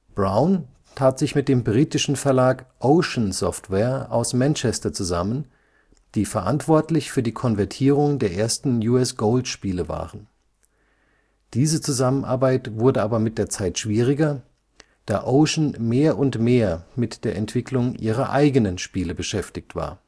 Brown tat sich mit dem britischen Verlag Ocean Software aus Manchester zusammen, die verantwortlich für die Konvertierung der ersten U.S. Gold-Spiele waren. Diese Zusammenarbeit wurde aber mit der Zeit schwieriger, da Ocean mehr und mehr mit der Entwicklung ihrer eigenen Spiele beschäftigt war